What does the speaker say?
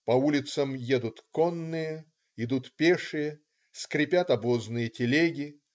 По улицам едут конные, идут пешие, скрипят обозные телеги.